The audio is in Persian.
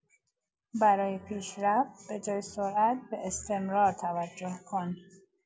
برای پیشرفت به‌جای سرعت، به استمرار توجه کن.